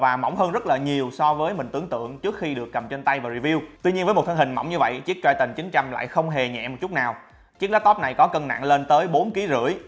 và mỏng hơn rất là nhiều so với mình tưởng tượng trước khi được cầm trên tay và review tuy nhiên với một thân hình mỏng như vậy chiếc triton lại không hề nhẹ một chút nào chiếc laptop này có cân nặng lên đến ký rưỡi